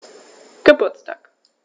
Geburtstag